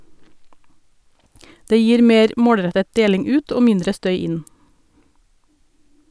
Det gir mer målrettet deling ut, og mindre støy inn.